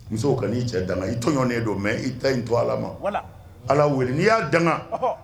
Musow ka'i cɛ danana i tɔɔnni ye don mɛ i ta yen to ala ma ala wele n'i y'a danana